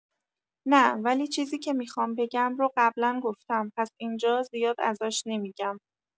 نه، ولی چیزی که میخوام بگم رو قبلا گفتم، پس اینجا زیاد ازش نمی‌گم.